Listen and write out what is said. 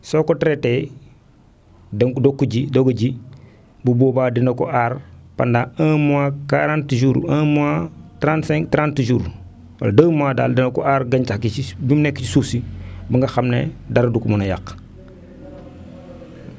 soo ko traité da nga ko doog ko ji doog a ji bu boobaa dina ko aar pendant un mois 40 jours un mois 35 30 jours 2 mois daal dana ko aar gàncax gi bi nekk si suuf gi ba nga xam ne dara du ko mën a yàq